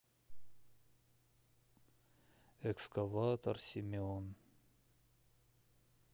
экскаватор семен